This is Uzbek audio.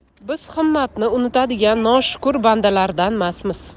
biz himmatni unutadigan noshukur bandalardanmasmiz